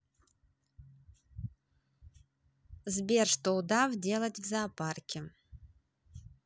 сбер что удав делать в зоопарке